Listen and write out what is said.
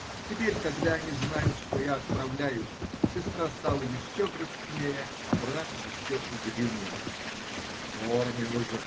Теперь, когда они знают, что я отправляюсь, сестра стала еще грустнее, а брат еще угрюмее. - В форме уже!